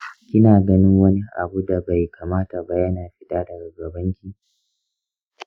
kina ganin wani abu da bai kamata ba yana fita daga gabanki?